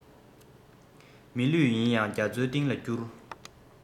མི ལུས ཡིན ཡང རྒྱ མཚོའི གཏིང ལ བསྐྱུར